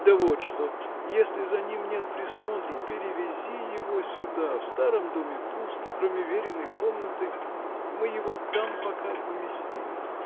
Да вот что: если за ним нет присмотру, перевези его сюда — в старом доме пусто, кроме Вериной комнаты. Мы его там пока поместим.